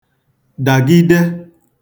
dàgide